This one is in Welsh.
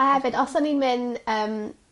...a efyd os o'n i'n myn' yym